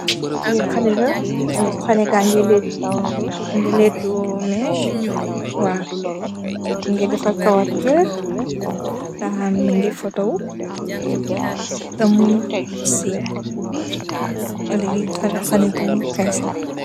Kee halehla haleh gage lute muge letu messeh waw muge defarr kawarr ge tahan muge photowu teh muge sench waw haleh yee haleh bu hess la.